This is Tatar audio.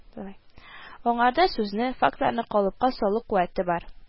Аңарда сүзне, фактларны калыпка салу куәте бар